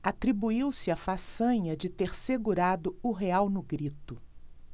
atribuiu-se a façanha de ter segurado o real no grito